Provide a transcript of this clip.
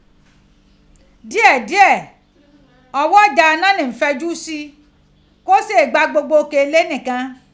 Diẹ diẹ, ọghọja iná ni n fẹju si, ko se e gba gbogbo oke ile ni kan.